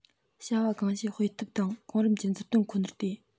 བྱ བ གང བྱེད དཔེ དེབ དང གོང རིམ གྱི མཛུབ སྟོན ཁོ ནར བལྟས